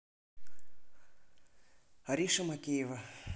ариша макеева